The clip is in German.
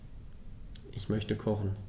Ich möchte kochen.